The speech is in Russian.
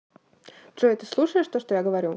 джой ты слушаешь то что я говорю